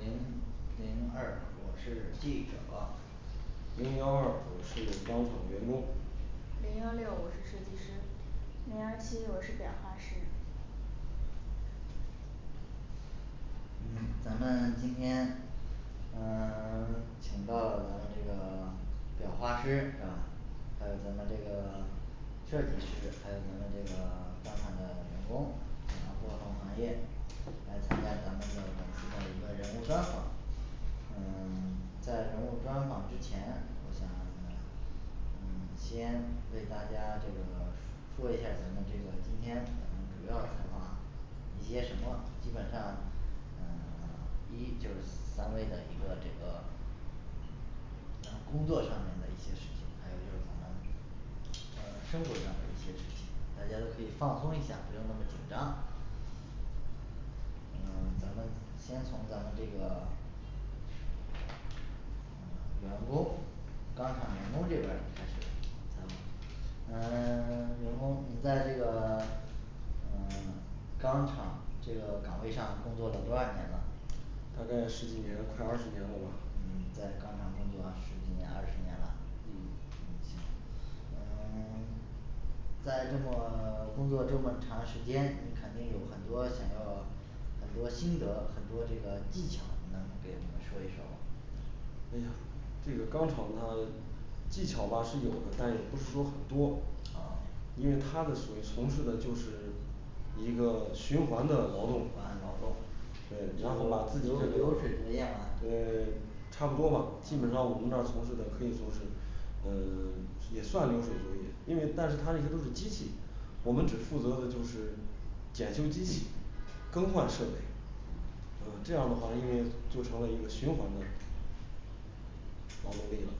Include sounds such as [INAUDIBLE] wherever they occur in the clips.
零零二我是记者零幺二我是钢厂员工零幺六我是设计师零幺七我是裱花师嗯咱们今天呃 [SILENCE] 请到了咱们这个裱花师是吧还有咱们这个 [SILENCE] 设计师，还有咱们这个钢厂的员工，不同行业来参加咱们的本次的一个人物专访嗯 [SILENCE] 在人物专访之前，我想嗯先为大家这个说一下咱们这个今天咱们主要采访一些什么，基本上嗯 [SILENCE] 一就是三位的一个这个咱工作上面的一些事情，还有就是咱们呃生活上的一些事情，大家都可以放松一下，不要那么紧张。呃 [SILENCE] 咱们先从咱们这个呃员工钢厂员工这边儿开始嗯呃 [SILENCE] 员工你在这个嗯 [SILENCE] 钢厂这个岗位上工作了多少年了？大概十几年快二十年了吧。嗯在钢厂工作十几年二十年了，嗯嗯行嗯 [SILENCE] 在这么 [SILENCE] 工作这么长时间，你肯定有很多想要很多心得，很多这个技巧能给我们说一说吗？哎呀这个钢厂他技巧吧是有的，但也不是说很多哦因为他的所谓从事的就是一个循环循的劳动环劳动呃然后把流自己的流水作业对吧差不多吧，基本上我们这儿从事的可以说是呃 [SILENCE] 也算是流水作业因为但是他那些都是机器我们只负责的就是检修机器更换设备呃这样的话因为就成了一个循环的劳动力了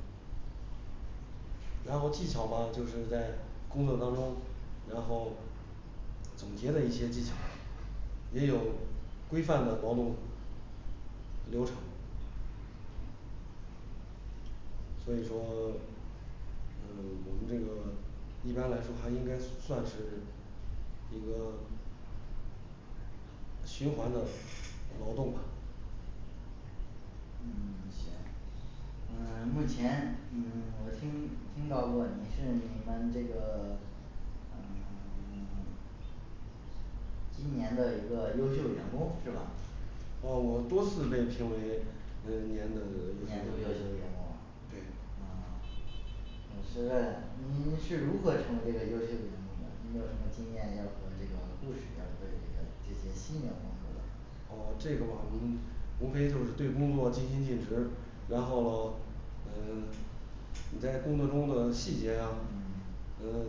然后技巧吧就是在工作当中然后总结了一些技巧也有规范的劳动流程所以说 [SILENCE] 呃我们这个一般来说还应该算是一个循环的劳动吧嗯行嗯目前嗯我听听到过你是你们这个嗯 [SILENCE] 今年的一个优秀员工是吧哦我多次被评为呃年的年度优秀员工啊对呃现在哦这个嘛我们无非就是对工作尽心尽职，然后咯嗯你在工作中的细节啊嗯呃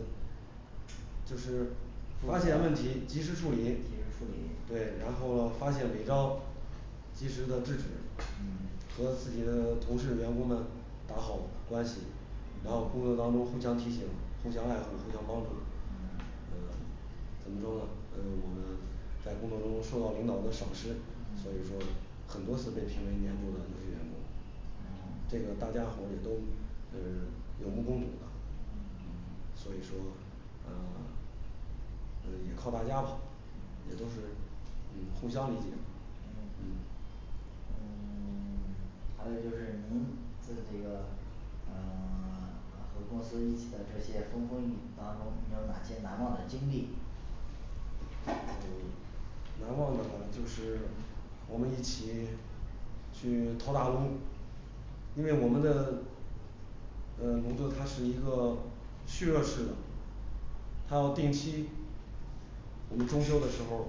就是发现问题及时处及时理处理对然后发现违章及时的制止嗯和自己的同事员工们打好关系然后工作当中互相提醒，互相爱护，互相帮助嗯呃我们都呃我们在工作中受到领导的赏识嗯所以说很多次被评为年度的优秀员工嗯嗯这个大家伙儿也都呃有目共睹的所以说呃 [SILENCE] 呃也靠大家吧嗯也都是嗯互相理解嗯嗯嗯 [SILENCE] 还有就是您和这个嗯 [SILENCE] 和公司一起的这些风风雨雨当中你有哪些难忘的经历？呃难忘的就是我们一起去掏大工因为我们的呃炉子他是一个蓄热式的它要定期我们装修的时候儿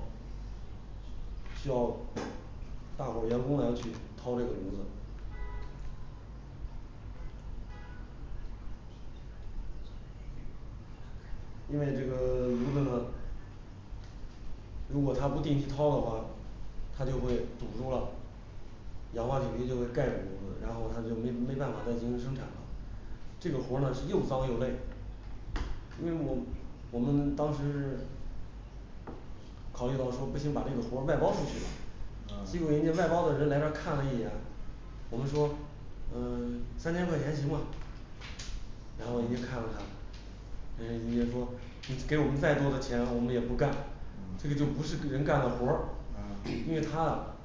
需要大伙儿员工来去掏这个炉子因为这个 [SILENCE] 炉子呢如果他不定期掏的话它就会堵住了氧化铝就会盖住炉子，然后他就没没办法再进行生产了这个活儿呢是又脏又累因为我我们当时考虑到说不行把这个活儿外包出去吧啊结果人家外包的人来这儿看了一眼我们说呃 [SILENCE] 三千块钱行吗然后人家看了看人家人家说你给我们再多的钱我们也不干，啊这个就不是个人干的活儿啊，因为他啊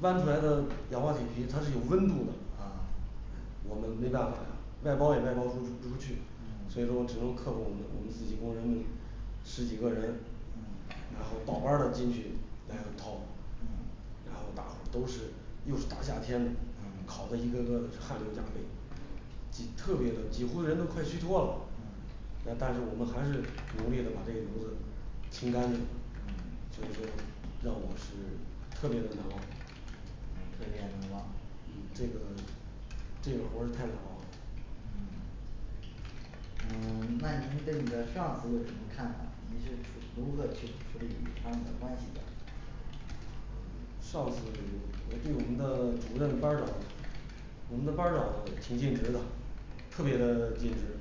弯出来的氧化铁皮它是有温度的啊我们没办法呀外包也卖包出不出去嗯，所以说只能克服我们我们自己工人十几个人嗯，然后倒班儿的进去来回掏嗯然后大伙儿都是又是大夏天的嗯烤的一个个的是汗流浃背几特别的几乎人都快虚脱嗯了但但是我们还是努力的把这个炉子清干净了嗯。就是说让我是特别的难忘嗯特别难忘呃这个这个活儿是太难忘了嗯 [SILENCE] 嗯 [SILENCE] 那您对你的上司有什么看法？你是如何去处理与他们的关系的上次我对我们的主任班儿长我们的班儿长挺尽职的特别的尽职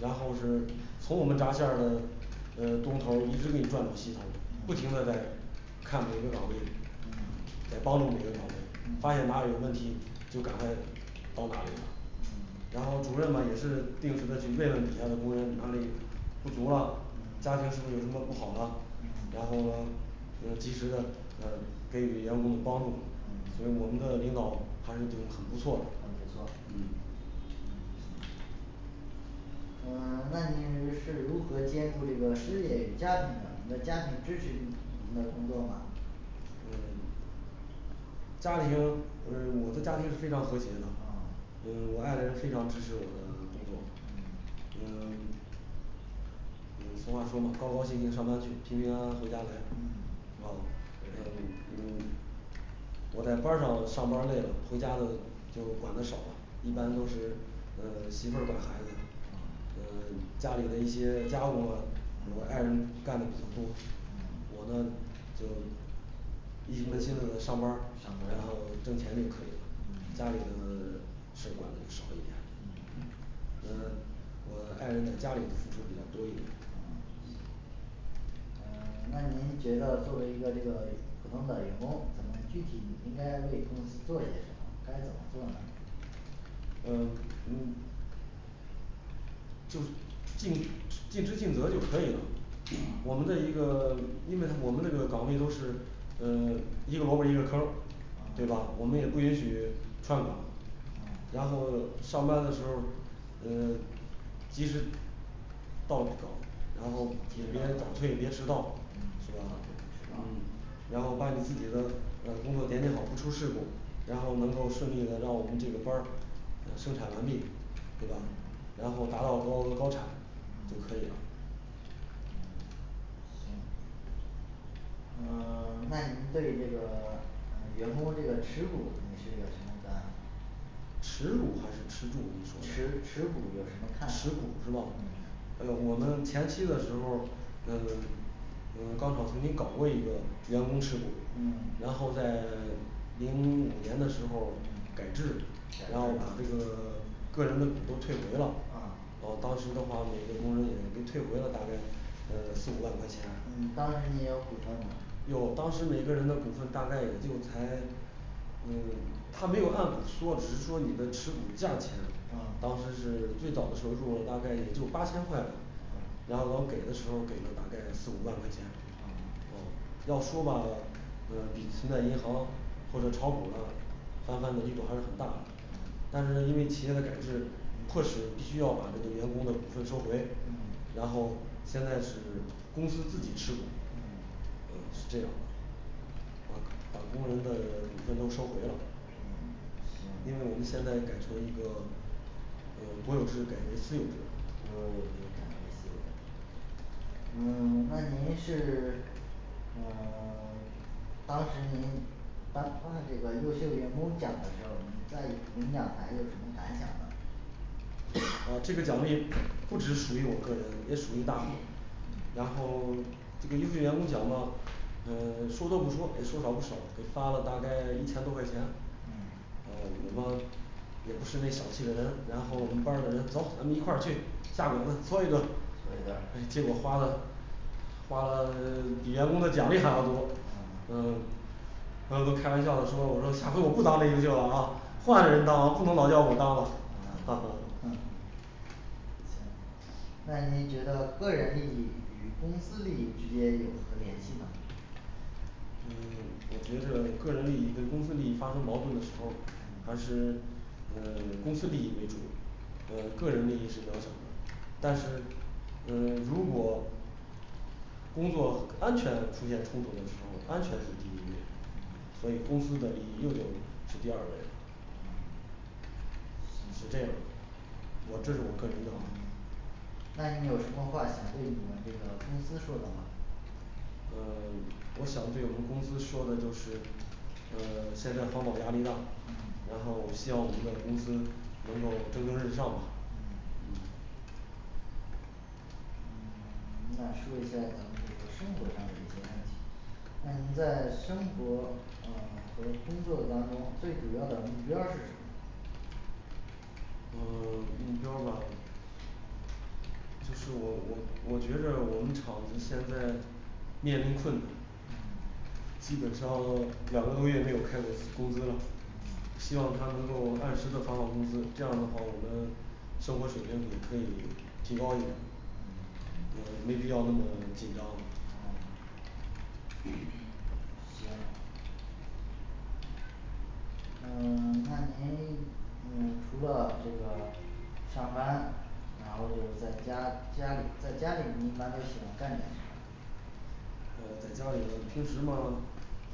然后是从我们扎线儿的呃东头儿一直给你转到西头儿，不嗯停的在嗯嗯嗯然后主任嘛也是定时的去慰问底下的工人，哪里不足啊，嗯家庭是不是有什么不好的啊嗯然后嗯及时的嗯给予员工的帮助，所以我们的领导还是挺很不错的很不错嗯，呃 [SILENCE] 那你是如何兼顾这个事业与家庭的，你的家庭支持你们的工作吗呃家里头呃我的家庭是非常和谐的啊呃我爱人非常支持我的工作嗯嗯 [SILENCE] 嗯俗话说嘛高高兴兴上班去，平平安安回家来嗯哦对嗯嗯我在班儿上上班儿累了，回家都就管的少了，一般都是呃媳妇儿管孩子嗯呃家里的一些家务，我嗯爱人干的比较多嗯，我呢就一门心思的上班儿上，班然后儿挣钱就可以了。嗯家里的事儿管的就少一点嗯呃行我爱人在家里付出比较多一点哦呃 [SILENCE] 那您觉得作为一个这个普通的员工，咱们具体应该为公司做些什么？该怎么做呢？呃嗯就尽尽职尽责就可以了啊我们的一个 [SILENCE] 因为我们那个岗位都是呃 [SILENCE] 一个萝卜一个坑儿啊对吧？我们也不允许串岗哦然后上班的时候呃及时到里头，然后及也时别早到岗退，别迟到嗯然后把你自己的呃工作联系好，不出事故，然后能够顺利的让我们这个班儿生产完毕对吧？然后达到高高产就嗯嗯可以了嗯行呃 [SILENCE] 那你对这个 [SILENCE] 呃员工这个持股儿你是一个什么赞持股儿还是吃住你说的持持股儿有什么看持股儿法是吧？嗯哎呦我们前期的时候儿嗯嗯钢厂曾经搞过一个员工持股儿嗯，然后在 [SILENCE] 零 [SILENCE] 五年的时候嗯改制改到把这个 [SILENCE] 个人的股儿都退回了嗯，哦当时的话每个工人也给退回了大概呃四五万块钱嗯当时你有股份吗，有当时每个人的股份大概也就才呃 [SILENCE] 他没有按股说，只是说你的持股价钱，啊当时是最早的时候入了大概也就八千块吧嗯然后往给的时候儿给了大概四五万块钱啊哦要说吧呃比存在银行或者炒股要翻番的力度还是很大的但是因为企业的改制嗯迫使必须要把这个员工的股份收回，嗯然后现在是公司自己持股嗯呃是这样的把把工人的股份都收回了嗯，行因为我们现在改成一个呃国有制改为私有制了有嗯 [SILENCE] 那您是呃 [SILENCE] 当时您颁发这个优秀员工奖的时候，你在领领奖台有什么感想呢？[HESITATION] 啊这个奖励不只属于我个人，也属于大众嗯然后这个优秀员工奖嘛呃说多不多也说少不少给发了大概一千多块钱。嗯啊我说也不是那小气的人，然后我们班儿的人走，咱们一块儿去下馆子搓一顿搓一顿儿，结果花了花了 [SILENCE] 比员工的奖励还要多嗯啊然后都开玩笑的说，我说下回我不当这优秀了啊，换个人儿当不能老叫我当 [NOISE] 嗯 [NOISE] 行那您觉得个人利益与公司利益之间有何联系呢嗯 [SILENCE] 我觉得个人利益跟公司利益发生矛盾的时候儿嗯还是呃 [SILENCE] 公司利益为主呃个人利益是渺小的但是嗯 [SILENCE] 如果工作安全出现冲突的时候儿，安全是第一位嗯所以公司的利益又有是第二位嗯行是这样我这种该领奖那您有什么话儿想对你们这个公司说的吗呃 [SILENCE] 我想对我们公司说的就是呃 [SILENCE] 现在环保压力大嗯，然后希望我们的公司能够蒸蒸日上吧嗯嗯嗯嗯 [SILENCE] 那说一下咱们这个生活上的一些问题那您在生活嗯和工作当中最主要的目标儿是什么呃 [SILENCE] 目标儿吧就是我我我觉得我们厂子现在面临困难嗯基本上两个多月没有开过工资了嗯希望他能够按时的发放工资，这样的话我们生活水平也可以提高一点儿嗯呃没必要那么紧张了哦行嗯 [SILENCE] 那您嗯除了这个上班儿然后就是在家家里在家里你一般都喜欢干点什么呃在家里平时嘛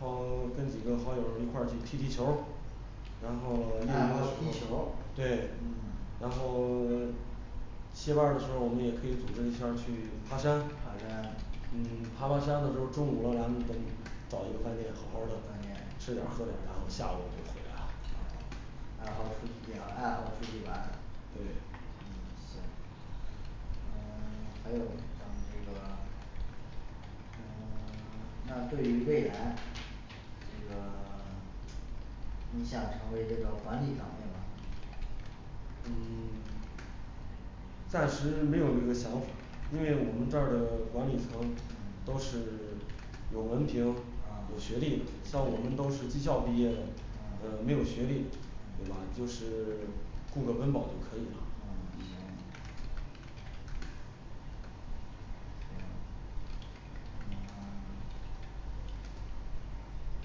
好跟几个好友儿一块儿去踢踢球然后业余爱爱好踢好球儿，对嗯然后 [SILENCE] 我们歇班儿的时候我们也可以组织一下儿，去爬山爬山嗯爬爬山的时候，中午了咱们找一个饭店好好儿的饭店吃点儿喝点儿，然后下午就回来了哦爱好出去爱好出去玩对嗯行嗯 [SILENCE] 还有咱们这个嗯 [SILENCE] 那对于未来这个 [SILENCE] 你想成为这个管理岗位吗嗯 [SILENCE] 暂时没有那个想法，因为我们这儿的管理层嗯都是 [SILENCE] 有文凭有啊学历的，像我们都是技校毕业的，嗯呃没有学历，对吧嗯？就是 [SILENCE] 顾个温饱就可以了嗯行行嗯 [SILENCE]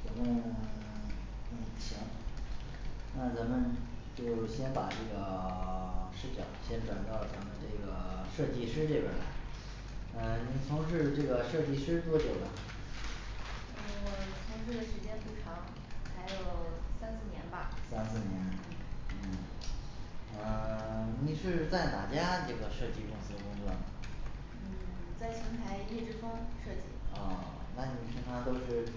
咱们 [SILENCE] 嗯行那咱们就先把这个 [SILENCE] 视角儿先转到咱们这个 [SILENCE] 设计师这边儿来呃你从事这个设计师多久了嗯 [SILENCE] 我从事时间不长才有三四年吧三四年嗯嗯啊 [SILENCE] 你是在哪家这个设计公司工作啊嗯 [SILENCE] 在邢台业之峰设计啊那你平常都是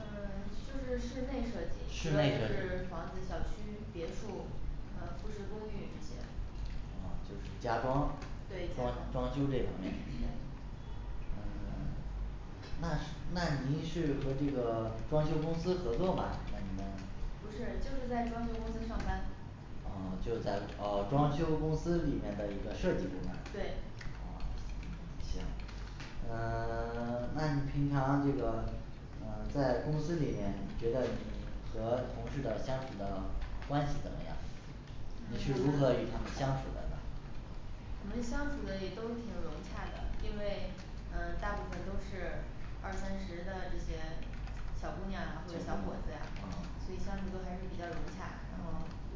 嗯 [SILENCE] 就是室内设计室主要内就设是计房子、小区、别墅、啊复式公寓这些啊就是家装对装装修这方面呃 [SILENCE] 那是那您是和这个装修公司合作吗？能不能不是，就是在装修公司上班。哦就在哦装修公司里面的一个设计部门，对哦嗯行呃 [SILENCE] 那你平常这个嗯在公司里面你觉得和同事的相处的关系怎么样你是如何与他们相处的呢我们相处的也都挺融洽的，因为呃大部分都是二三十的这些小姑娘啊或者小小姑伙娘子呀啊，所以相处都还是比较融洽，然后啊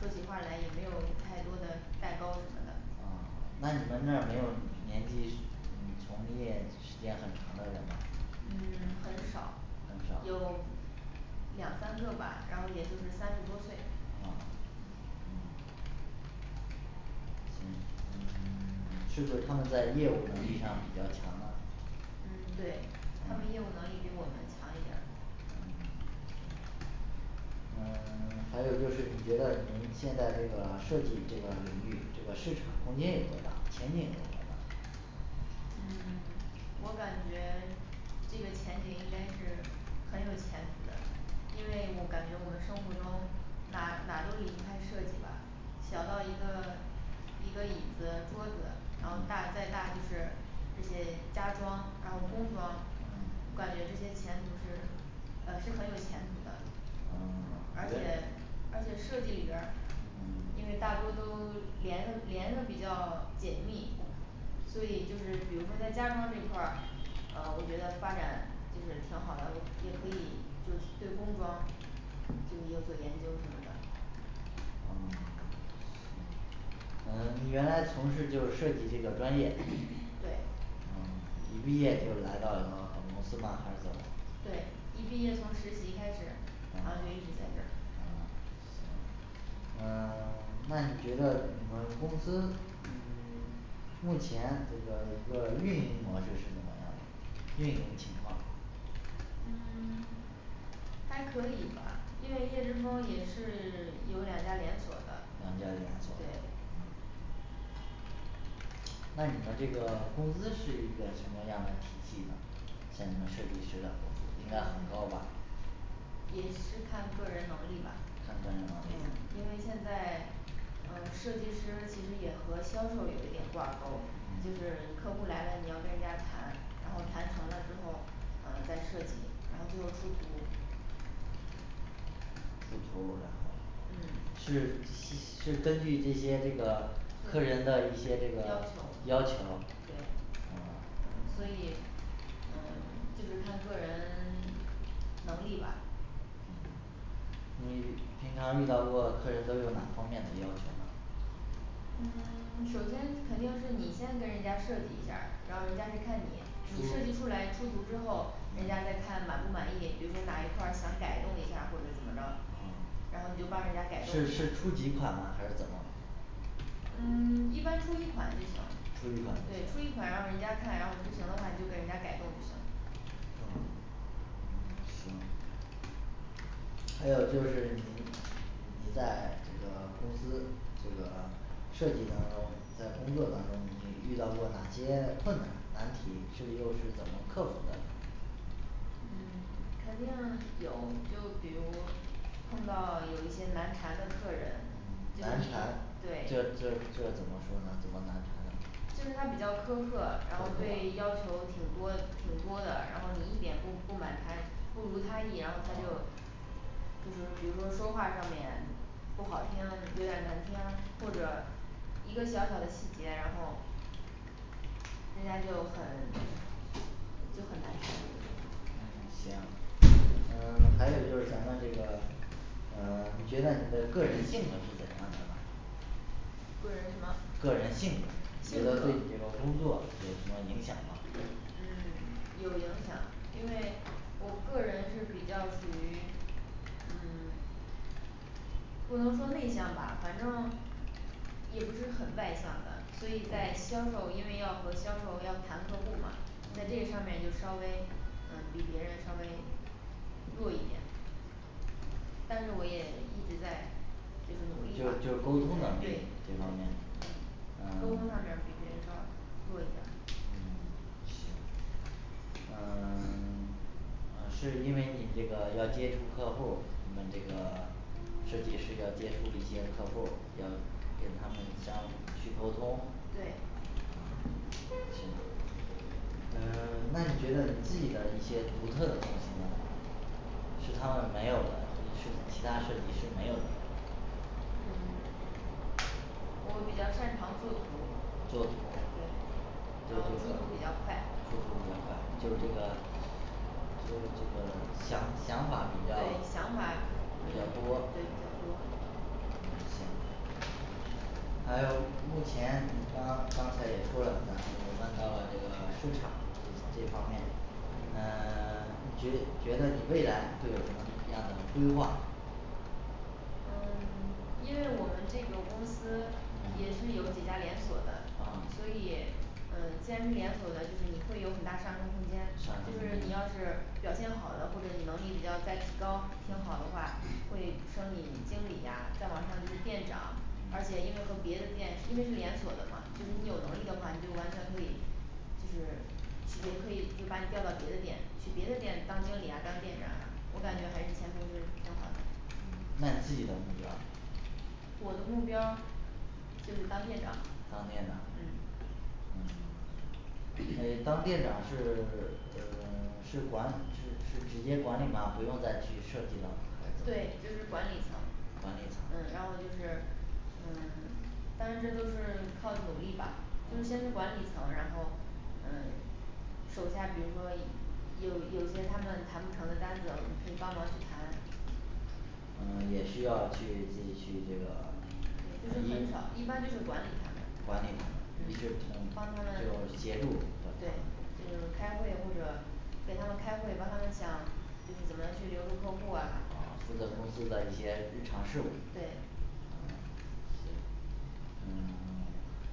说起话来也没有太多的代沟什么啊的那你们那儿没有年纪从业时间很长的人吗？嗯很少很少有两三个吧，然后也就是三十多岁啊嗯嗯嗯 [SILENCE] 是不是他们在业务能力上比较强呢嗯对他们业务能力比我们强一点儿嗯嗯嗯 [SILENCE] 还有就是你觉得您现在这个设计这个领域这个市场空间有多大前景有多大？嗯 [SILENCE] 我感觉这个前景应该是很有前途的因为我感觉我们生活中哪哪都离不开设计吧小到一个一个椅子桌子，然后嗯大再大就是这些家装，然后工装嗯，感觉这些前途是呃是很有前途的嗯。而且而且设计里边儿嗯因为大多都连的连的比较紧密所以就是比如说在家装这一块儿嗯行呃你原来从事就是设计这个专业，对嗯 [SILENCE] 一毕业就来到了本公司吗？还是怎么？对，一毕业从实习开始。然啊啊后就一直在这儿。行呃 [SILENCE] 那你觉得你们公司嗯 [SILENCE] 目前这个一个运营模式是怎么样的运营情况嗯 [SILENCE] 还可以吧，因为业之峰也是 [SILENCE] 有两家连锁的两家对连锁嗯那你们这个公司是一个什么样儿的体系呢？像你们设计师的工资应该很高吧也是看个人能力吧，看个人嗯能力因为现在呃设计师其实也和销售有一点挂钩儿嗯，就是客户来了你要跟人家谈，然后谈成了之后呃再设计然后就是出图出图儿然后嗯是是是根据这些这个客人的一些这个要求要求对啊所以嗯就是看个人 [SILENCE] 能力吧嗯你平常遇到过客人都有哪方面的要求呢嗯 [SILENCE] 首先肯定是你先跟人家设计一下儿，然后人家去看你你设计出来出出图之后，人家再看满不满意，比如说哪一块儿想改动一下或者怎么着，嗯哦然后你就帮人家改动是是出几款吗还是怎么嗯 [SILENCE] 一般出一款就出行一款对出就行一款让人家看，然后不行的话你就给人家改动就行嗯行还有就是您你在这个公司这个设计当中，在工作当中你遇到过哪些困难，难题是又是怎么克服的呢嗯 [SILENCE] 肯定有就比如碰到有一些难缠的客人就难你缠，这对这这怎么说呢怎么难缠呢？就是他比较苛刻，然后对苛刻要求挺多挺多的，然后你一点不不满他不如他意，然后他就哦就是比如说说话儿上面不好听有点儿难听或者一个小小的细节然后人家就很就很难受嗯行呃 [SILENCE] 还有就是咱们这个呃 [SILENCE] 你觉得你的个人性格是怎样的呢个人什么个人性格你觉得对你这个工作有什么影响吗？嗯有影响，因为我个人是比较属于嗯 [SILENCE] 不能说内向吧，反正也不是很外向的，所以在销售因为要和销售要谈客户嘛在这个上面就稍微呃比别人稍微弱一点但是我也一直在就就是就努沟力通上吧这对这方面嗯沟呃通上边儿 [SILENCE] 比别人稍弱一点儿嗯行嗯 [SILENCE] 啊是因为你这个要接触客户儿，你们这个设计师要接触一些客户儿，要跟他们相去沟通，对啊行呃 [SILENCE] 那你觉得你自己的一些独特的东西呢是他们没有的，你是其他设计师没有的嗯 [SILENCE] 我比较擅长做图作图对然对这后出图比个较快就是这个就这个想想法比对较想法儿比较多对比较多嗯行还有目前你刚刚才也说了，咱问到了这个市场这方面嗯 [SILENCE] 你觉觉得得你未来会有什么样的规划嗯 [SILENCE] 因为我们这个公司也是有几家连锁的嗯，所啊以嗯既然是连锁的，就是你会有很大上升空间，上就升是空你要间是表现好的或者你能力比较再提高挺好的话，会升你经理啊再往上就是店长，而且因为和别的店因为是连锁的嘛就是嗯你有能力的话你就完全可以就是也可以就把你调到别的店去，别的店当经理啊当店长，我感觉还是前途是挺好的嗯那你自己的目标儿呢我的目标儿就是当店长当店长嗯嗯 [SILENCE] 诶当店长是 [SILENCE] 呃 [SILENCE] 是管是是直接管理吗不用再去设计吗还是对就是什管理么层。管理层嗯然后就是嗯 [SILENCE] 当然这都是靠努力吧，就先是管理层，然后嗯手下比如说以有有些他们谈不成的单子，我们可以帮忙去谈嗯也需要去自己去那个你管理他们你是同就协助给他们开会，帮他们想就是怎么去留住客户儿啊啊负责公司的一些日常事务对啊行嗯 [SILENCE]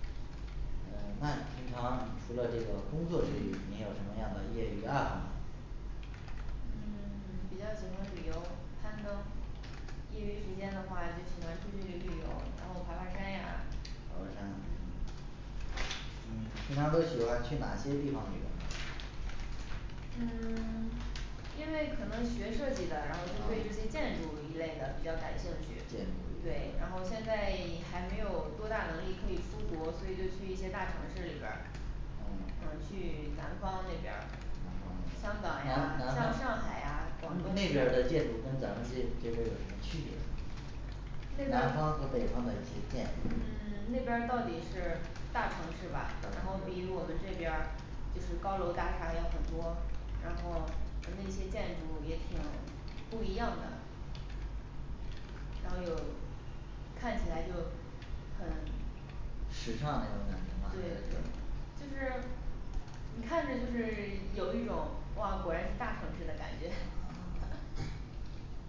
呃那你平常除了这个工作之余，你有什么样的业余爱好呢嗯 [SILENCE] 比较喜欢旅游攀登业余时间的话就喜欢出去旅旅游，然后爬爬山呀爬爬山嗯嗯平常都喜欢去哪些地方旅游呢嗯 [SILENCE] 因为可能学设计的，然后就对这啊些建筑一类的比较感兴趣建，筑一对类，然后现在还没有多大能力可以出国，所以就去一些大城市里边儿嗯嗯去南方那边儿，香南港呀像南上方海呀广东那边儿的建筑跟咱们这这边儿有什么区别那边南方儿和北方的一些建筑。嗯 [SILENCE] 那边儿到底是大城市吧，然后比我们这边儿就是高楼大厦也很多，然后跟那些建筑也挺不一样的。然后有看起来就很时尚那种感觉吗还是怎么对就是你看着就是有一种哇果然是大城市的感觉 [NOISE] 啊 [CROSSTALK]